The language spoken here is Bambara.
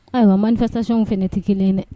Ayiwa man manifestatios fana tɛ kelen ye dɛ.